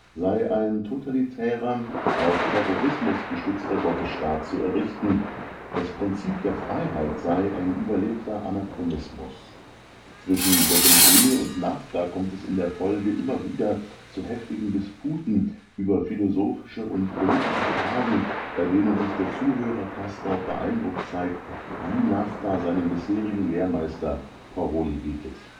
sei ein totalitärer, auf Terrorismus gestützter Gottesstaat zu errichten; das Prinzip der Freiheit sei ein überlebter Anachronismus. Zwischen Settembrini und Naphta kommt es in der Folge immer wieder zu heftigen Disputen über philosophische und politische Fragen, bei denen sich der Zuhörer Castorp beeindruckt zeigt, wie Naphta seinem bisherigen Lehrmeister Paroli bietet